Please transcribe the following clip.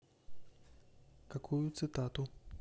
какую цитату